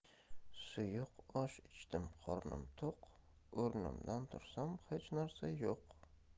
suyuq osh ichdim qornim to'q o'rnimdan tursam hech narsa yo'q